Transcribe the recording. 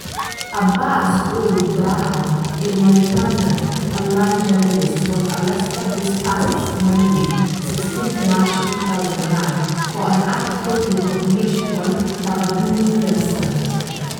Abbass Ould Braham, a Mauritanian online journalist was arrested this past Monday, 16 March 2009, for an article he published on Taqadoumy website.